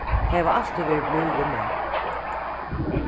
tey hava altíð verið blíð við meg